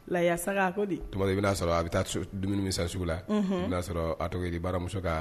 Lasa ko di tuma i bɛna'a sɔrɔ a bɛ taa dumuni sa sugu la i y'a sɔrɔ a toli baramuso kan